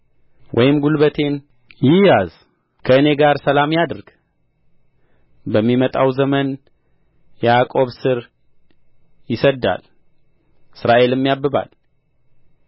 ወይም ጕልበቴን ይያዝ ከእኔ ጋር ሰላም ያድርግ ከእኔ ጋር ሰላም ያድርግ በሚመጣው ዘመን ያዕቆብ ሥር ይሰድዳል እስራኤልም ያብባል